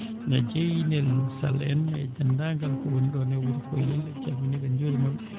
ne Deiynel Sall en e deenndaangal ko woni ɗoon e wuro Poolel en calminii ɓe en njuuriima ɓe